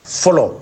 Fɔlɔ